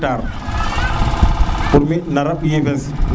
pour mi na ramb yiifes